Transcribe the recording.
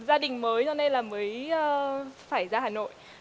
gia đình mới cho nên là mới phải ra hà nội